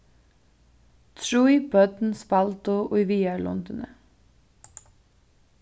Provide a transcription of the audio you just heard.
trý børn spældu í viðarlundini